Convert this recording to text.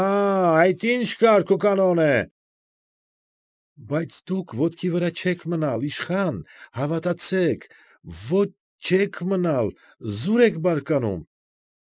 Աա՜, այդ ինչ կարգ ու կանոն է։ ֊ Բայց դուք ոտքի վրա չեք մնալ, իշխան, հավատացեք, ո՛չ, չեք մնալ, զուր եք բարկանում։